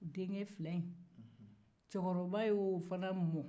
denkɛ fila in cɛkɔrɔba y'o fana mɔ